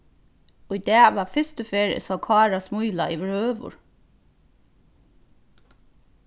í dag var fyrstu ferð eg sá kára smíla yvirhøvur